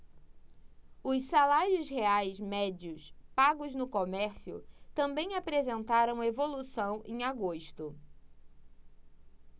os salários reais médios pagos no comércio também apresentaram evolução em agosto